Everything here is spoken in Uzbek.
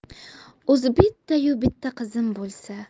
o'zi bittayu bitta qizim bo'lsa